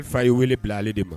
Ale fa y ye weele bila ale de bɔ